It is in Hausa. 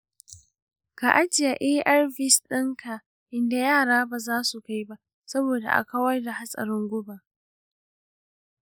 ka ajiye arvs ɗinka inda yara bazasu kai ba, saboda a kawar da hatsarin guba.